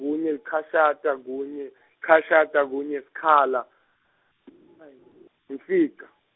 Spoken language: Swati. kunye lichashata, kunye, chashata kunye iskhala imfica.